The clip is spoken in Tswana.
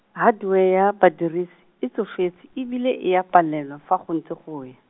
hardware ya badirisi, e tsofetse, e bile e a palelwa fa go ntse go ya.